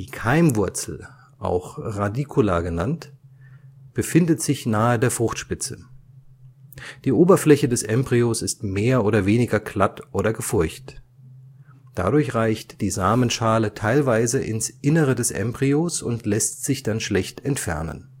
Keimwurzel (Radicula) befindet sich nahe der Fruchtspitze. Die Oberfläche des Embryos ist mehr oder weniger glatt oder gefurcht. Dadurch reicht die Samenschale teilweise ins Innere des Embryos und lässt sich dann schlecht entfernen